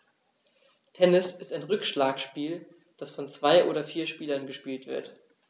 Tennis ist ein Rückschlagspiel, das von zwei oder vier Spielern gespielt wird.